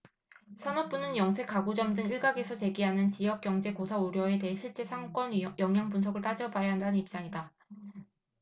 산업부는 영세 가구점 등 일각에서 제기하는 지역경제 고사 우려에 대해 실제 상권 영향분석을 따져봐야 한다는 입장이다